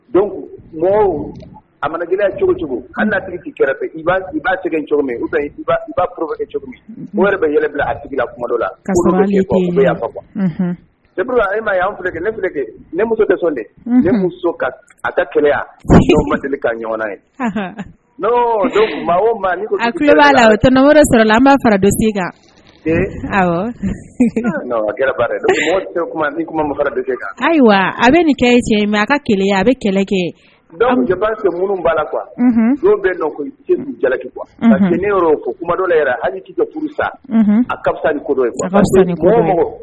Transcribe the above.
Don mɔgɔw a mana gɛlɛya cogo cogo an kɛrɛfɛ fɛ i'a tigɛ cogo min cogo wɛrɛ bɛ yɛlɛ bila a sigi kumado la kuwa ale'an ne ne muso tɛ de ne muso a ka kɛlɛya ma deli ka ɲɔgɔn ye ma b'a la o tɛnɛnmo sara la an b fara dɔse kan ni kuma makan bɛ kan ayiwa a bɛ nin kɛ cɛ a ka kɛlɛ a bɛ kɛlɛ kɛ cɛ ba minnu b'a la qu so bɛ dɔn ko jalaki kuwa a ne fo kumado hali y' ka furu sa a ka ni ko ye mɔgɔ